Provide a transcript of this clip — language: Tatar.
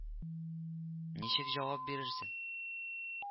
Ничек җавап бирерсең